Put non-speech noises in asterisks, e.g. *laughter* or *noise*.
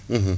*hesitation* *hesitation*